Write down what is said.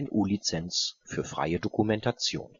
GNU Lizenz für freie Dokumentation